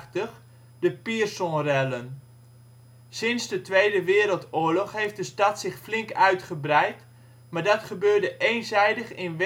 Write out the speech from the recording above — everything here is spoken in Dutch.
de Piersonrellen. Sinds de Tweede Wereldoorlog heeft de stad zich flink uitgebreid, maar dat gebeurde eenzijdig in